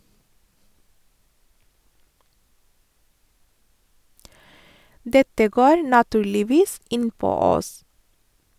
- Dette går naturligvis innpå oss.